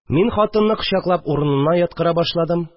Мин хатынны, кочаклап, урынына яткыра башладым